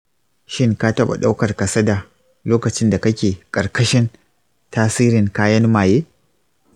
shin ka taɓa ɗaukar kasada lokacin da kake ƙarkashin tasirin kayan maye?